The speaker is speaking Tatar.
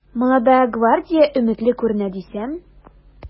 “молодая гвардия” өметле күренә дисәм...